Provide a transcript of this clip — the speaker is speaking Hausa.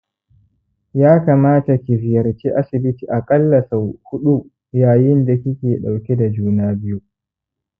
ya kamata ki ziyarci asibiti a ƙalla sau hudu yayin da kike ɗauke da juna biyun